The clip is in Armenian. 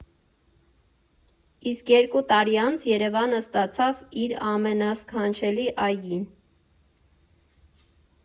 Իսկ երկու տարի անց Երևանը ստացավ իր ամենասքանչելի այգին։